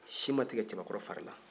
si ma tigɛ cɛbakɔrɔ fari la